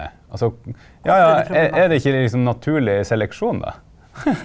altså ja ja er det ikke liksom naturlig seleksjon da ?